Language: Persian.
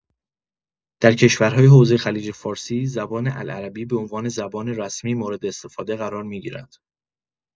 در کشورهای حوزه خلیج فارسی، زبان العربی به‌عنوان زبان رسمی مورداستفاده قرار می‌گیرد.